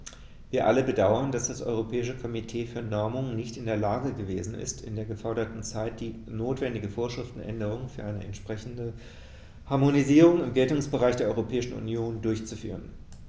Wir alle bedauern, dass das Europäische Komitee für Normung nicht in der Lage gewesen ist, in der geforderten Zeit die notwendige Vorschriftenänderung für eine entsprechende Harmonisierung im Geltungsbereich der Europäischen Union durchzuführen.